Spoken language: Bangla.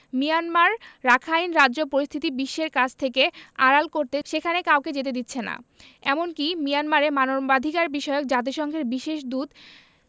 মিয়ানমার রাখাইন রাজ্য পরিস্থিতি বিশ্বের কাছ থেকে আড়াল করতে সেখানে কাউকে যেতে দিচ্ছে না এমনকি মিয়ানমারে মানবাধিকারবিষয়ক জাতিসংঘের বিশেষ দূত